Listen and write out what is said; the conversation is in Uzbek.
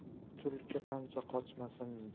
tulki qancha qochmasin